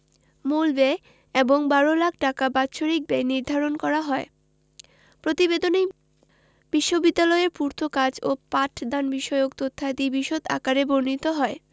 মূল ব্যয় এবং ১২ লাখ টাকা বাৎসরিক ব্যয় নির্ধারণ করা হয় প্রতিবেদনে বিশ্ববিদ্যালয়ের পূর্তকাজ ও পাঠদানবিষয়ক তথ্যাদি বিশদ আকারে বর্ণিত হয়